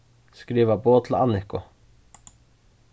skriva boð til anniku